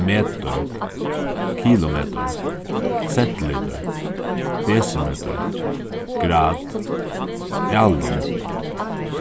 metur kilometur sentilitur desimetur grad alin